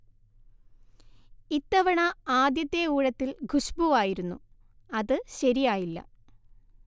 ഇത്തവണ ആദ്യത്തെ ഊഴത്തിൽ ഖുശ്ബുവായിരുന്നു അത് ശരിയായില്ല